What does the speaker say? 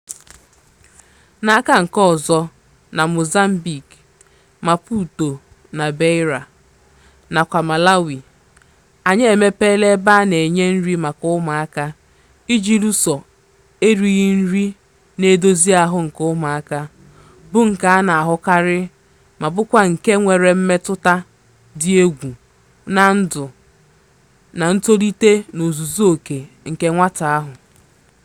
N'aka nke ọzọ, na Mozambique (Maputo na Beira) nakwa Malawi anyị emepeela ebe a na-enye nri maka ụmụaka iji lụso erighị nri na-edozi ahụ nke ụmụaka, bụ nke a na-ahụkarị ma bụkwa nke nwere mmetụta dị egwu na ndụ na ntolite n'ozuzu oké nke nwata ahụ.